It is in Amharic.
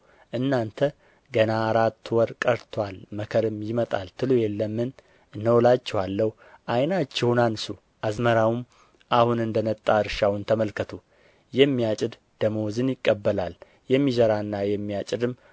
እናንተ ገና አራት ወር ቀርቶአል መከርም ይመጣል ትሉ የለምን እነሆ እላችኋለሁ ዓይናችሁን አንሡ አዝመራውም አሁን እንደ ነጣ እርሻውን ተመልከቱ የሚያጭድ ደመወዝን ይቀበላል የሚዘራና የሚያጭድም